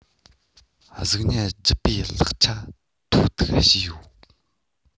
གཟུགས བརྙན རྒྱུ སྤུས ལེགས ཆ ཐོ གཏུག བྱེད ཡོད